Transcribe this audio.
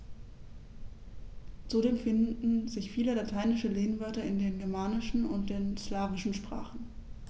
Zudem finden sich viele lateinische Lehnwörter in den germanischen und den slawischen Sprachen.